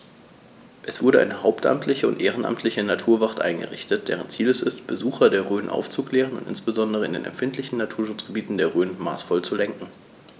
Es wurde eine hauptamtliche und ehrenamtliche Naturwacht eingerichtet, deren Ziel es ist, Besucher der Rhön aufzuklären und insbesondere in den empfindlichen Naturschutzgebieten der Rhön maßvoll zu lenken.